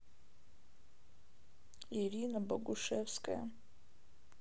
ирина богушевская